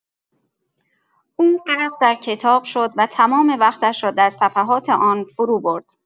او غرق در کتاب شد و تمام وقتش را در صفحات آن فروبرد.